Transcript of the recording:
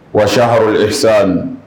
Walasa hɛrɛsa